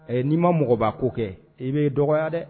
Ɛ n'i ma mɔgɔba ko kɛ i bɛ'i dɔgɔya dɛ